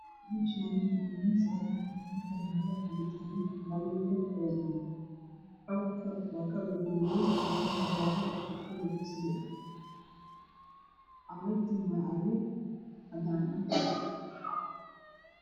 Mrshani waa miis cadan ah waxan ylo cabitan kalardoda kaladugan kalark waa kalar gaduudan io kalar jale ah io kalar beseli ah cagagtan waa cagag cadan ah